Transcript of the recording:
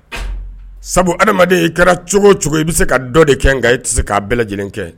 Sabu adamaden i kɛra cogo cogo i bɛ se ka dɔ de kɛ nka i tɛ se k ka bɛɛ lajɛlen kɛ